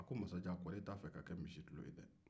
a ko kɔri e t'a fɛ ka kɛ misitulo ye dɛ